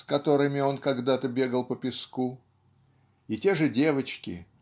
с которыми он когда-то бегал по песку. И те же девочки